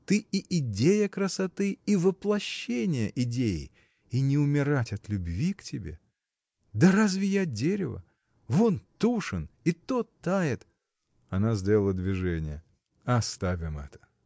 Ты и идея красоты, и воплощение идеи — и не умирать от любви к тебе? Да разве я дерево! Вон Тушин, и тот тает. Она сделала движение. — Оставим это.